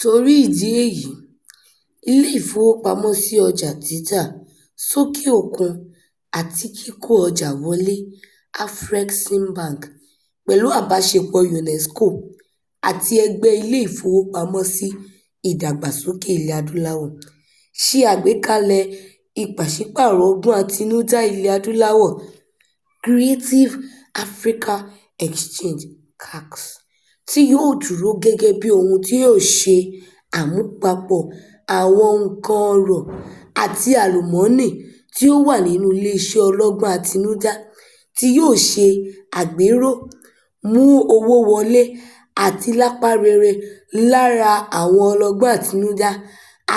Torí ìdí èyí, Ilé-ìfowópamọ́sí Ọjà títa sókè òkun-àti-kíkó ọjà wọlé (Afreximbank) pẹ̀lú àbáṣepọ̀ọ UNESCO àti Ẹgbẹ́ Ilé-ìfowópamọ́sí Ìdàgbàsókè Ilẹ̀-Adúláwọ̀, ṣe àgbékalẹ̀ Ìpàṣípààrọ̀ Ọgbọ́n Àtinudá Ilẹ̀-Adúláwọ̀ – Creative Africa Exchange (CAX) tí yóò "dúró gẹ́gẹ́ bíi ohun tí yóò ṣe àmúpapọ̀ àwọn nǹkan ọrọ̀ àti àlùmọ́nì tí ó wà nínú iléeṣẹ́ ọgbọ́n àtinudá" tí yóò ṣe àgbéró, mú owó wọlé àti lapa rere lára àwọn ọlọ́gbọ́n àtinudá